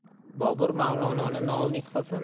bobur mavlononi noumid qilsa